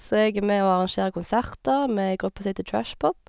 Så jeg er med og arrangerer konserter, med ei gruppe som heter TrashPop.